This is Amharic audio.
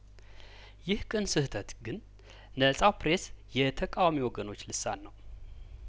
ይህ ቅን ስህተት ግን ነጻው ፕሬስ የተቃዋሚ ወገኖች ልሳን ነው